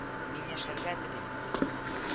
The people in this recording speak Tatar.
Мин яшәргә телим